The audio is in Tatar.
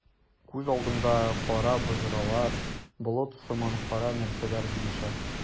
Күз алдымда кара боҗралар, болыт сыман кара нәрсәләр биешә.